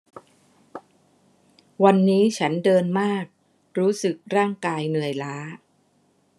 วันนี้ฉันเดินมากรู้สึกร่างกายเหนื่อยล้า